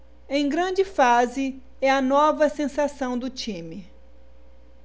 em grande fase é a nova sensação do time